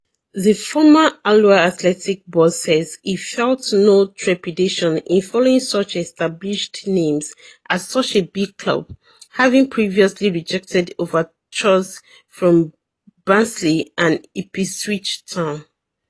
The former Alloa Athletic boss says he felt no trepidation in following such established names at such a big club, having previously rejected overtures from Barnsley and Ipswich Town.